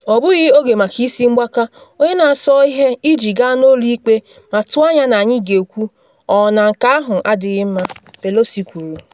“Ọ bụghị oge maka isi mgbaka, onye na asọ ihe iji gaa n’ụlọ ikpe ma tụọ anya na anyị ga-ekwu, “ọ na nke ahụ adịghị mma,”” Pelosi kwuru.